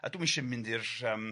A dwi'm isie mynd i'r yym